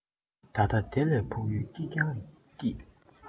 ད ལྟ དེ ལས ཕུགས ཡུལ སྐྱིད ཀྱང སྐྱིད